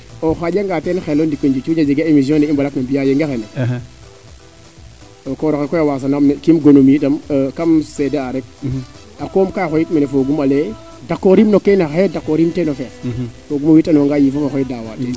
andiye a xaƴa ngaa ten xel o ndiki nduluc a jega emission na i mbalak na mbiya xa jega xene o kooro xe koy a wasa naam ne'kiim gonum yitam kam seede a rek a koom ka xoyit mene fogum a leyee d' accodr im no keen xaye d' accord im teen no feet fogum o wetan wanga a yifum oxey daaw teen